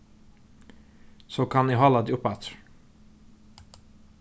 so kann eg hála teg upp aftur